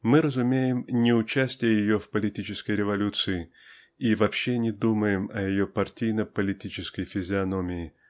мы разумеем не участие ее в политической революции и вообще не думаем о ее партийно-политической физиономии